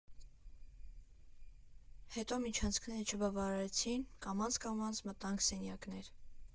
Հետո միջանցքները չբավարարեցին, կամաց֊կամաց մտանք սենյակներ։